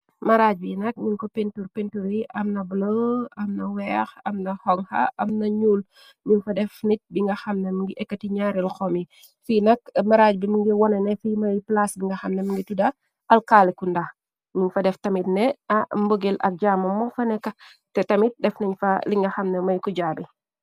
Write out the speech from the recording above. Maraaj bi nak niñ ko pintur pintur yi amna bulo amna weex amna honga am na ñuul ñum fa def nit bi nga xam na m ngi ekkati ñaareel xom yi fi nak maraaj bi mi ngi wone ne fi mëy plaase di nga xam nam ngi tuda alkaale ku nda ñum fa def tamitne ambogeel ak jaamo mo fanekate tamit def nañ fa li nga xam ne mëy ku jaabi.